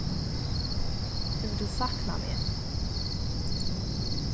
hevur tú saknað meg